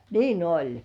niin oli